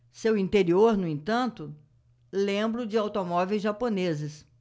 seu interior no entanto lembra o de automóveis japoneses